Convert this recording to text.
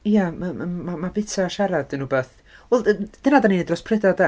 Ie ma' ma' ma' ma' byta a siarad yn wbath... Wel, dyna dan ni'n neud dros prydau de.